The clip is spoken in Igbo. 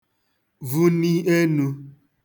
vuni enū